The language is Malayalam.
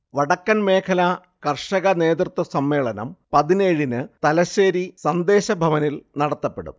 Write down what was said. വടക്കൻ മേഖല കർഷക നേതൃത്വസമ്മേളനം പതിനേഴിന് തലശ്ശേരി സന്ദേശഭവനിൽ നടത്തപ്പെടും